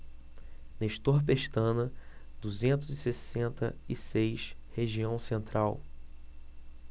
nestor pestana duzentos e sessenta e seis região central